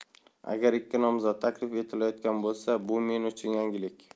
agar ikki nomzod taklif etilayotgan bo'lsa bu men uchun yangilik